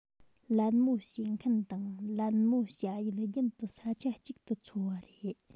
ལད མོ བྱེད མཁན དང ལད མོ བྱ ཡུལ རྒྱུན དུ ས ཆ གཅིག ཏུ འཚོ བ རེད